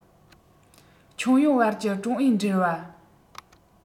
ཁྱོན ཡོངས བར གྱི ཀྲུང ཨའི འབྲེལ བ